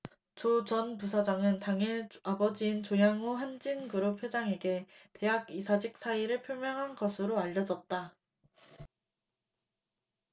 조 전 부사장은 당일 아버지인 조양호 한진그룹 회장에게 대학 이사직 사의를 표명한 것으로 알려졌다